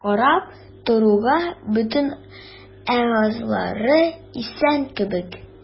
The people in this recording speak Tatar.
Карап торуга бөтен әгъзалары исән кебек.